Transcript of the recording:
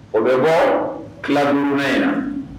O bɛ bɔ tilaun ɲɛna na